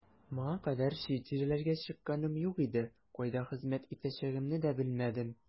Моңа кадәр чит җирләргә чыкканым юк иде, кайда хезмәт итәчәгемне дә белмәдем.